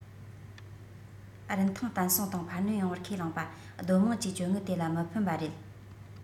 རིན ཐང བརྟན སྲུང དང འཕར སྣོན ཡོང བར ཁས བླངས པ སྡོད དམངས ཀྱི བཅོལ དངུལ དེ ལ མི ཕན པ རེད